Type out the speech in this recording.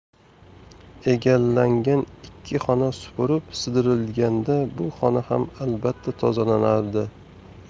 egallangan ikki xona supurib sidirilganda bu xona ham albatta tozalanardi